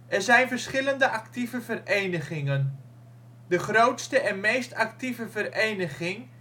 zijn verschillende actieve verenigingen. De grootste en meest actieve vereniging